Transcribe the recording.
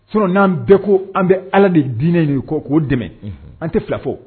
Fɔlɔ n'an bɛɛ ko an bɛ ala de dinɛ kɔ k'o dɛmɛ an tɛ fila fɔ